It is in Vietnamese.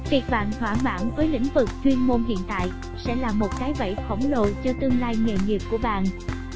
việc bạn thỏa mãn với lĩnh vực chuyên môn hiện tại sẽ là một cái bẫy khổng lồ cho tương lai nghề nghiệp của bạn